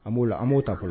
An b' la an b' ta fɔlɔ